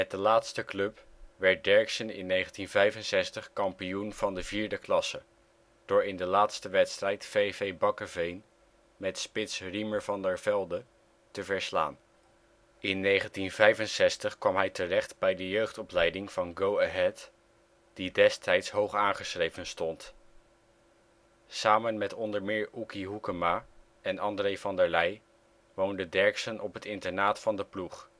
de laatste club werd Derksen in 1965 kampioen van de Vierde klasse, door in de laatste wedstrijd vv Bakkeveen met spits Riemer van der Velde te verslaan. In 1965 kwam hij terecht bij de jeugdopleiding van Go Ahead, die destijds hoog aangeschreven stond. Samen met onder meer Oeki Hoekema en André van der Leij woonde Derksen op het internaat van de ploeg